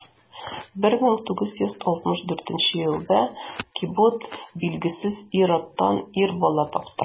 1964 елда кэбот билгесез ир-аттан ир бала тапты.